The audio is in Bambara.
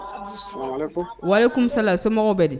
Salamalekun walekum Salam